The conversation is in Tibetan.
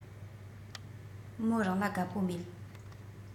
མོ རང ལ དགའ པོ མེད